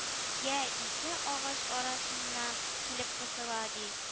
Йә ике агач арасына килеп кысыла, ди